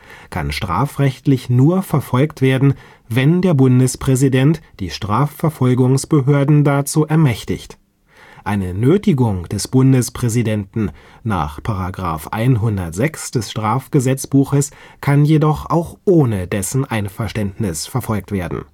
kann strafrechtlich nur verfolgt werden, wenn der Bundespräsident die Strafverfolgungsbehörden dazu ermächtigt. Eine Nötigung des Bundespräsidenten (§ 106 StGB) kann jedoch auch ohne dessen Einverständnis verfolgt werden